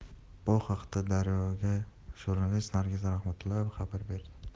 bu haqda daryo ga jurnalist nargiza rahmatullayeva xabar berdi